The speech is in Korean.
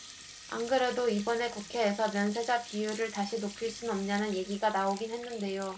안 그래도 이번에 국회에서 면세자 비율을 다시 높일 순 없냐는 얘기가 나오긴 했는데요